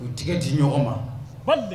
U tigɛ di ɲɔgɔn ma